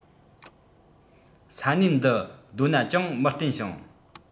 ས གནས འདི རྡོ ན ཅུང མི བརྟན ཞིང